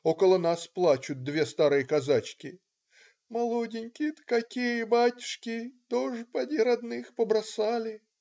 Около нас плачут две старые казачки: "молоденькие-то какие, батюшки. тоже поди родных побросали.